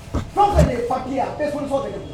Fula de fa' a bɛɛ